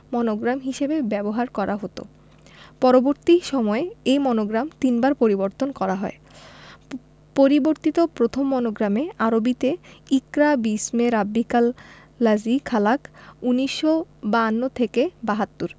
monogram হিসেবে ব্যবহার করা হতো পরবর্তী সময়ে এ মনোগ্রাম তিনবার পরিবর্তন করা হয় পরিবর্তিত প্রথম মনোগ্রামে আরবিতে ইকরা বিস্মে রাবিবকাল লাজি খালাক্ক ১৯৫২ ৭২